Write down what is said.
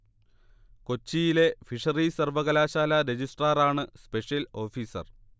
കൊച്ചിയിലെ ഫിഷറീസ് സർവകലാശാല രജിസ്ട്രാറാണ് സ്പെഷ്യൽ ഓഫീസർ